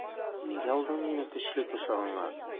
Нигә алдың мине көчле кочагыңа?